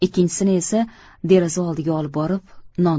ikkinchisini esa deraza oldiga olib borib non